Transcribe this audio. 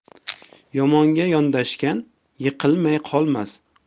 yomonga yondashgan yiqilmay qolmas